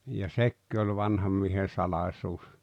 ja sekin oli vanhan miehen salaisuus